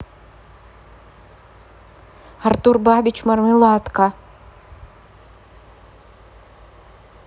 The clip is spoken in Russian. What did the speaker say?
артур бабич мармеладка